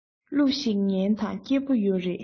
གླུ ཞིག ཉན དང སྐྱིད པོ ཡོད རེད